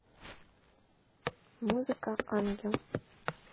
музыка ангел